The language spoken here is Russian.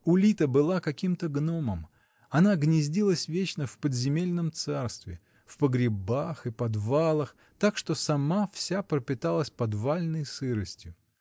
Улита была каким-то гномом: она гнездилась вечно в подземельном царстве, в погребах и подвалах, так что сама вся пропиталась подвальной сыростью.